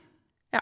Ja.